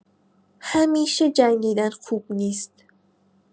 همیشه جنگیدن خوب نیست!